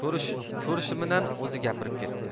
ko'rishiminan o'zi gapirib ketdi